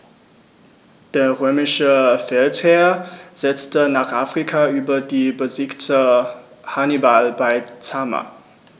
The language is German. Der römische Feldherr setzte nach Afrika über und besiegte Hannibal bei Zama.